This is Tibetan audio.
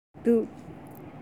སླེབས འདུག